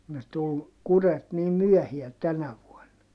ne tuli kurjet niin myöhään tänä vuonna